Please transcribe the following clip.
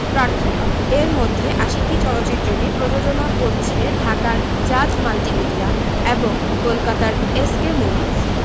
প্রার্থনা এর মধ্যে আশিকী চলচ্চিত্রটি প্রযোজনা করছে ঢাকার জাজ মাল্টিমিডিয়া এবং কলকাতার এস কে মুভিজ